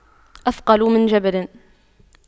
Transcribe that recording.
أثقل من جبل